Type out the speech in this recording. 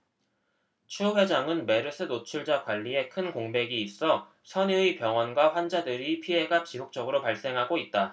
추 회장은 메르스 노출자 관리에 큰 공백이 있어 선의의 병원과 환자들의 피해가 지속적으로 발생하고 있다